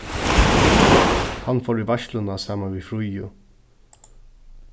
hann fór í veitsluna saman við fríðu